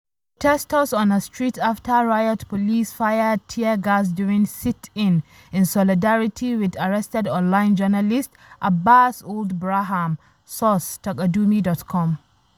Protestors on a street after riot police fired tear gas during sit-in in solidarity with arrested online journalist Abbass Ould Braham (source: Taqadoumy.com)